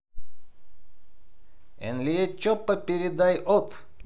nle choppa передай от